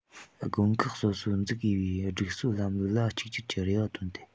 དགོན ཁག སོ སོར འཛུགས དགོས པའི སྒྲིག སྲོལ ལམ ལུགས ལ གཅིག གྱུར གྱི རེ བ བཏོན ཏེ